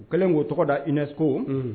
Kɛlen ko o tɔgɔ da iinɛso